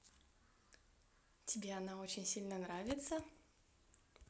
тебе она очень сильно нравится